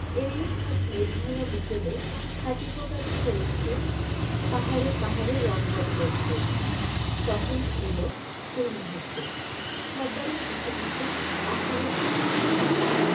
এমনি এক মেঘ ভাঙা বিকেলে হাতিপোতাতে চলছে পাহাড়ে পাহাড়ে রং বদলের খেলা তখনই এল সেই মূহুর্ত সর্দারের পিছু পিছু আঠারোটি হাতির পাল